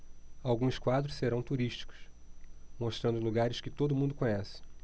alguns quadros serão turísticos mostrando lugares que todo mundo conhece